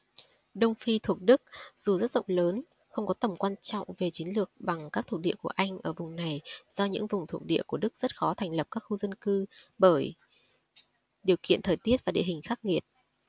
đông phi thuộc đức dù rất rộng lớn không có tầm quan trọng về chiến lược bằng các thuộc địa của anh ở vùng này do những vùng thuộc địa của đức rất khó thành lập các khu dân cử bởi điều kiện thời tiết và địa hình khắc nghiệt